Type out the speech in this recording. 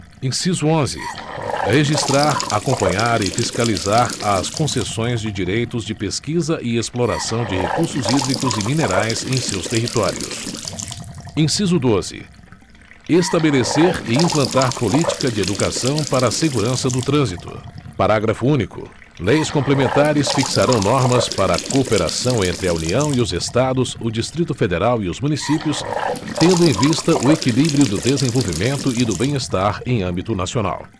inciso onze registrar acompanhar e fiscalizar as concessões de direitos de pesquisa e exploração de recursos hídricos e minerais em seus territórios inciso doze estabelecer e implantar política de educação para a segurança do trânsito parágrafo único leis complementares fixarão normas para a cooperação entre a união e os estados o distrito federal e os municípios tendo em vista o equilíbrio do desenvolvimento e do bem estar em âmbito nacional